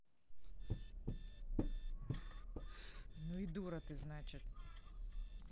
ну и дура ты значит